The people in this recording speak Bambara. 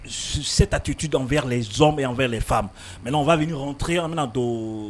Sur cette aptitude envers les hommes et envers les femmes maintenant on va venir rentrer an bɛna doon